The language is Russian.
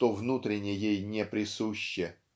что внутренне ей неприсуще